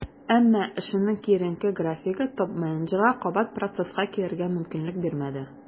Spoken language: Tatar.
Әмма эшенең киеренке графигы топ-менеджерга кабат процесска килергә мөмкинлек бирмәде.